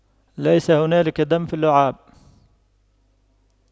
ليس هنالك دم في اللعاب